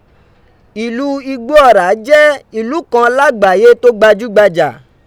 Ilu igboọra jẹ ilu kan lagbaaye to gbajugbaja.